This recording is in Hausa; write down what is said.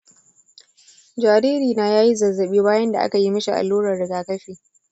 jaririna ya yi zazzabi bayan da akayi mishi allurar rigakafi.